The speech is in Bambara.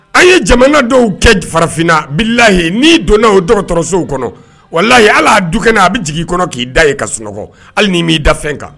An ye jamana dɔw kɛ farafinna bilayi n'i donna o dɔgɔtɔrɔsow kɔnɔ walayi hali a du kɛnɛ a b'i jigin kɔnɔ k'i da yen ka sunɔgɔ hali ni m'i da fɛn kan